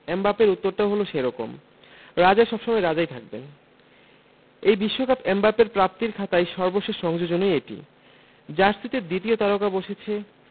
এমবাপ্পের উত্তরটাও হলো সে রকম রাজা সব সময় রাজাই থাকবেন এই বিশ্বকাপ এমবাপ্পের প্রাপ্তির খাতায় সর্বশেষ সংযোজনই এটি জার্সিতে দ্বিতীয় তারকা বসেছে